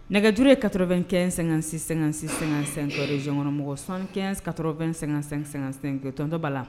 Nɛgɛjurue katobɛn kɛ--sɛ-sɛ-sɛ1 jankkɔrɔmɔgɔ sankat2--sɛ tɔnontɔbaa la